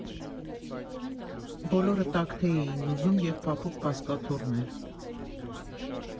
Բոլորը տաք թեյ էին ուզում և փափուկ բազկաթոռներ։